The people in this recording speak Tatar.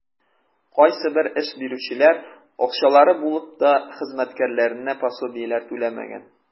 Кайсыбер эш бирүчеләр, акчалары булып та, хезмәткәрләренә пособиеләр түләмәгән.